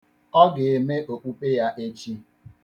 Ọ ga-eme okpukpe ya echi.